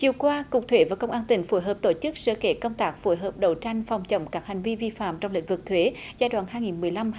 chiều qua cục thuế và công an tỉnh phối hợp tổ chức sơ kết công tác phối hợp đấu tranh phòng chống các hành vi vi phạm trong lĩnh vực thuế giai đoạn hai nghìn mười năm